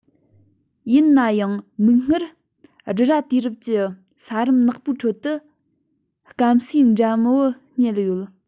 ཡིན ན ཡང མིག སྔར སྒྲུ ར དུས རབས ཀྱི ས རིམ ནག པོའི ཁྲོད དུ སྐམ སའི འགྲོན བུ རྙེད ཡོད